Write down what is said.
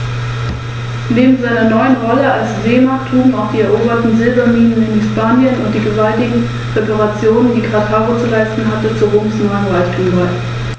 Der Sieg über Karthago im 1. und 2. Punischen Krieg sicherte Roms Vormachtstellung im westlichen Mittelmeer.